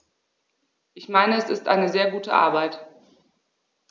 Ich meine, es ist eine sehr gute Arbeit.